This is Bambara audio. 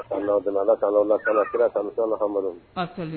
' aw donna k' kaana kira kanumi la ha amadumadu ye